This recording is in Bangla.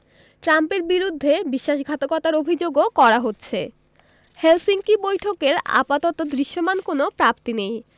ট্রাম্পের বিরুদ্ধে বিশ্বাসঘাতকতার অভিযোগও করা হচ্ছে হেলসিঙ্কি বৈঠকের আপাতত দৃশ্যমান কোনো প্রাপ্তি নেই